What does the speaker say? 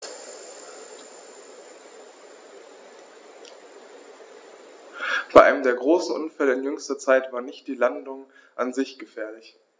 Bei einem der großen Unfälle in jüngster Zeit war nicht die Ladung an sich gefährlich.